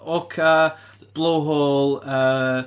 Orca blowhole yy...